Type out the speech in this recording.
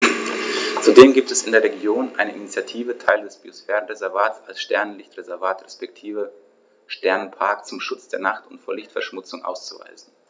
Zudem gibt es in der Region eine Initiative, Teile des Biosphärenreservats als Sternenlicht-Reservat respektive Sternenpark zum Schutz der Nacht und vor Lichtverschmutzung auszuweisen.